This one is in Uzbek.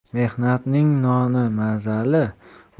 mehnatning noni mazali